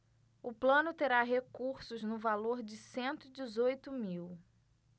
o plano terá recursos no valor de cento e dezoito mil